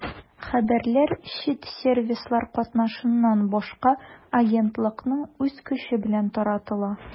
Хәбәрләр чит сервислар катнашыннан башка агентлыкның үз көче белән таратыла.